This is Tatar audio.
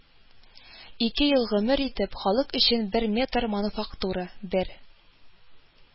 Ике ел гомер итеп, халык өчен бер метр мануфактура, бер